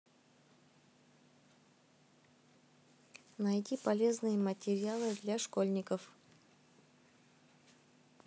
найди полезные материалы для школьников